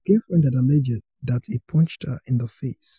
His girlfriend had alleged that he punched her in the face.